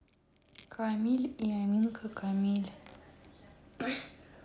камиль и аминка камиль